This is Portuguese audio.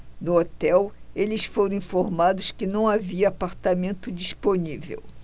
no hotel eles foram informados que não havia apartamento disponível